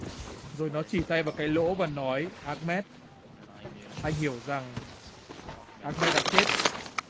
rồi nó chỉ tay vào cái lỗ và nói ác mét anh hiểu rằng ác mét đã chết